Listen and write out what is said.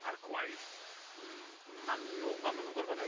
a'r gwaith m- manwl 'ma mae'n nhw'n gorfod wneud.